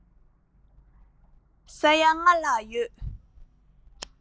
ས ཡ ལྔ ལྷག ཡོད